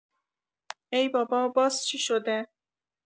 ای بابا باز چی شده!